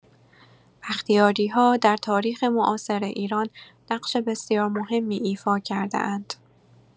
بختیاری‌ها در تاریخ معاصر ایران نقش بسیار مهمی ایفا کرده‌اند.